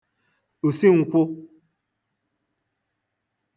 òsi n̄kwụ̄